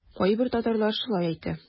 Кайбер татарлар шулай әйтә.